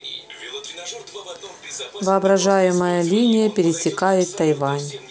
воображаемая линия пересекает тайвань